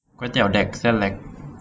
ก๋วยเตี๋ยวเด็กเส้นเล็ก